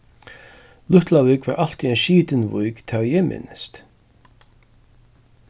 lítlavík var altíð ein skitin vík tað ið eg minnist